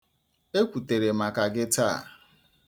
E kwutere maka gị taa.